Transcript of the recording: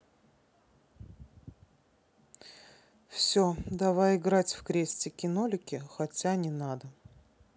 все давай играть в крестики нолики хотя не надо